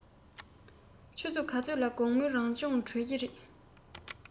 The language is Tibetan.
ཆུ ཚོད ག ཚོད ལ དགོང མོའི རང སྦྱོང གྲོལ ཀྱི རེད